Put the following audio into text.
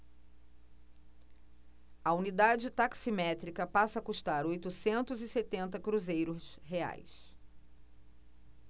a unidade taximétrica passa a custar oitocentos e setenta cruzeiros reais